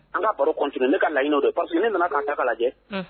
An ka baro continué parce que ne ka laɲini ye o de ye parce que n'i nan'a ta k'a lajɛ, unhun